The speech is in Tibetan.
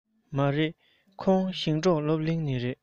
མ རེད ཁོང ཞིང འབྲོག སློབ གླིང ནས རེད